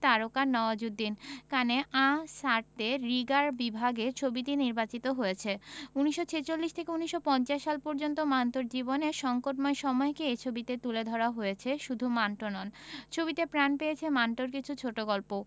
তারকা নওয়াজুদ্দিন কানে Un Certain Regard বিভাগে ছবিটি নির্বাচিত হয়েছে ১৯৪৬ থেকে ১৯৫০ সাল পর্যন্ত মান্টোর জীবনের সংকটময় সময়কে এ ছবিতে তুলে ধরা হয়েছে শুধু মান্টো নন ছবিতে প্রাণ পেয়েছে মান্টোর কিছু ছোটগল্পও